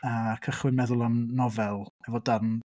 A cychwyn meddwl am nofel efo darn...